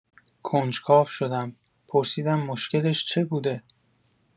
کنجکاو شدم؛ پرسیدم مشکلش چه بوده؟